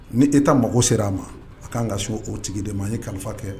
Ni e ta mago sera' a ma a k'an ka so o tigi de ma ye kalifa kɛ